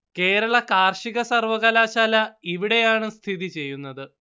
കേരള കാര്‍ഷിക സര്‍വ്വകലാശാല ഇവിടെയാണ് സ്ഥിതിചെയ്യുന്നത്